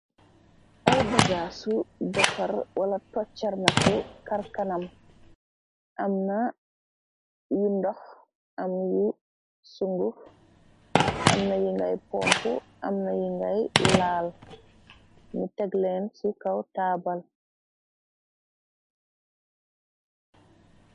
Ay bagaasu defar wala toccarnaku karkanam, am na yu ndox , am yu sunguf amna yi ngay pomp amna yi ngay laal, ni tegleen ci kaw taabal.